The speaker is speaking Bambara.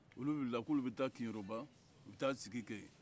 olu wulila k'olu bɛ taa keyoroba u bɛ taa sigi kɛ yen